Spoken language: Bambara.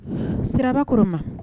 Siraba kɔrɔ ma